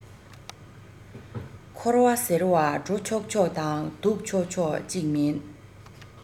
འཁོར བ ཟེར བ འགྲོ ཆོག ཆོག དང འདུག ཆོག ཆོག ཅིག མིན